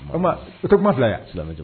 O o to fila yan filajɔ